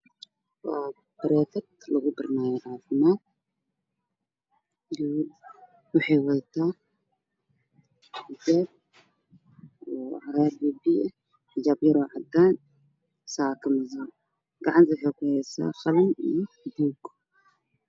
Waa private lagu baranaayo caafimaad waxaa u muuqda gabar fadhido wadato xijaab caddaan daaha ka dambeeyay waa guduud